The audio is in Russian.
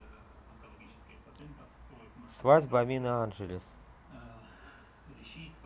свадьба амины анджелес